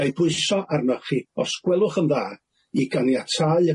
Gai bwyso arnoch chi os gwelwch yn dda i ganiatáu